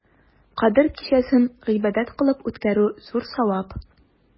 Кадер кичәсен гыйбадәт кылып үткәрү зур савап.